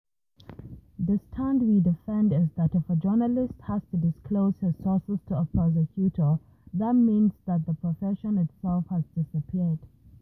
“The stand we defend is that if a journalist has to disclose his sources to a prosecutor, that means that the profession itself has disappeared.